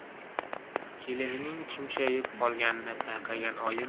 kelinining tumshayib qolganini payqagan oyim